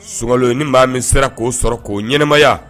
Sogokali ni b'a min sera k'o sɔrɔ k'o ɲɛnɛmaya